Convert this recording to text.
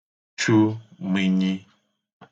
chu mə̄nyī